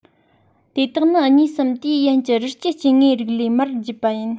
དེ དག ནི གཉིས སམ དེའི ཡན གྱི རི སྐྱེས སྐྱེ དངོས རིགས ལས མར བརྒྱུད པ ཡིན